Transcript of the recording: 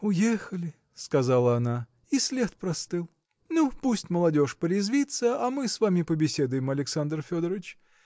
– Уехали, – сказала она, – и след простыл! Ну пусть молодежь порезвится а мы с вами побеседуем Александр Федорыч.